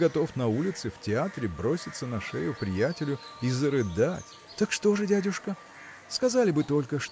ты готов на улице, в театре броситься на шею приятелю и зарыдать. – Так что же, дядюшка? Сказали бы только